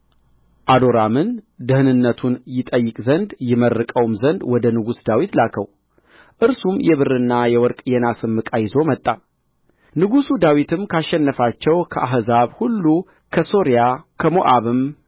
አዶራምን ደኅንነቱን ይጠይቅ ዘንድ ይመርቀውም ዘንድ ወደ ንጉሥ ዳዊት ላከው እርሱም የብርና የወርቅ የናስም ዕቃ ይዞ መጣ ንጉሥ ዳዊትም ካሸነፋቸው ከአሕዛብ ሁሉ ከሶርያ